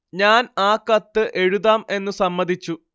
ഞാൻ ആ കത്ത് എഴുതാം എന്ന് സമ്മതിച്ചു